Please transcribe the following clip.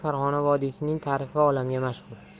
vodiysining tarifi olamga mashhur